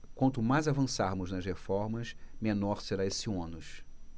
quanto mais avançarmos nas reformas menor será esse ônus